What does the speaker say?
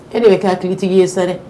E de k' tigitigi ye sa dɛ